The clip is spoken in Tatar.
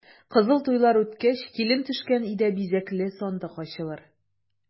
Кызыл туйлар үткәч, килен төшкән өйдә бизәкле сандык ачылыр.